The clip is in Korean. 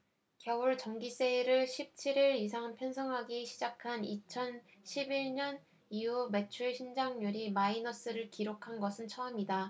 겨울 정기세일을 십 칠 일 이상 편성하기 시작한 이천 십 일 년 이후 매출신장률이 마이너스를 기록한 것은 처음이다